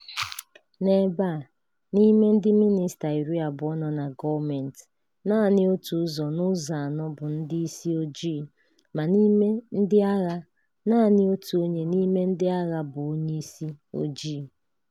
N'ebe a, n'ime ndị mịnịsta iri abụọ nọ na gọọmentị, naanị otu ụzọ n'ụzọ anọ bụ ndị isi ojii ma n'ime ndị agha, naanị otu onye n'ime ndị agha bụ onye isi ojii.